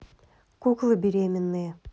куклы беременные